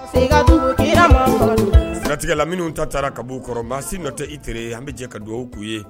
Fɔ i ka tugu kira Muhamadu de kɔ, o siratigɛ la, minnu ta taara ka bɔ kɔrɔ ma si nɔ tɛ i tere ye, an bɛ jɛ ka dugawu o k'u ye